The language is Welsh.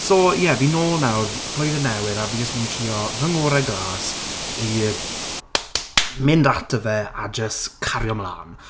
So ie, fi nôl nawr. F- Blwyddyn newydd a fi jyst yn mynd i trio fy ngorau glas i mynd ato fe a jyst cario mlân.